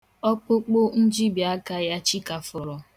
Ọkpụkpụ njibiaka ya chikafụrụ.